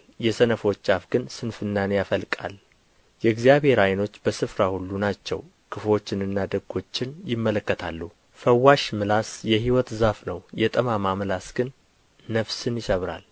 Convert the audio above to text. የሰነፎች አፍ ግን ስንፍናን ያፈልቃል የእግዚአብሔር ዓይኖች በስፍራ ሁሉ ናቸው ክፉዎችንና ደጎችን ይመለከታሉ ፈዋሽ ምላስ የሕይወት ዛፍ ነው የጠማማ ምላስ ግን ነፍስን ይሰብራል